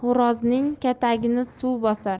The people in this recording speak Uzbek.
xo'rozning katagini suv bosar